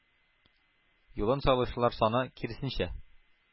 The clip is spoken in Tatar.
Юлын сайлаучылар саны, киресенчә,